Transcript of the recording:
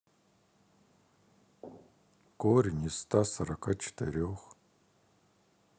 корень из ста сорока четырех